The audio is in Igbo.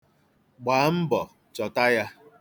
Gbaa mbọ chọta ya.